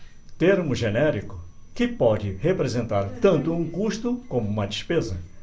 termo genérico que pode representar tanto um custo como uma despesa